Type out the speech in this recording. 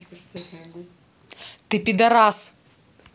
ты пидарас